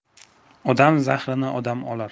odam zahrini odam olar